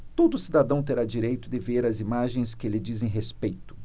todo cidadão terá direito de ver as imagens que lhe dizem respeito